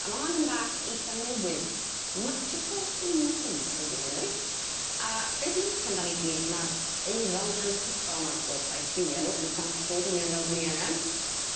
a ma' hon yn fath eitha newydd magical innocence ydi henw 'i. A be' dwi licio amdani 'di ma'r aeron anhygol 'ma wrth gwrs a'i lliwia n'w yn danllyd union fel 'dan ni angan.